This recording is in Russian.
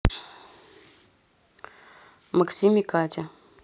максим и катя